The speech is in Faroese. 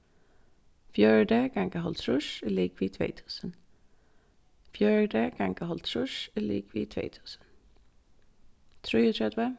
fjøruti ganga hálvtrýss er ligvið tvey túsund fjøruti ganga hálvtrýss er ligvið tvey túsund trýogtretivu